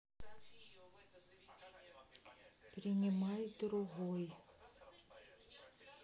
принимай другой